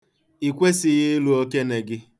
I kwesịghị ịlụ okene gị.